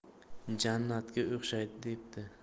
jannatga o'xshaydi debdi